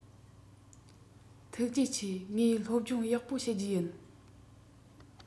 ཐུགས རྗེ ཆེ ངས སློབ སྦྱོང ཡག པོ བྱེད རྒྱུ ཡིན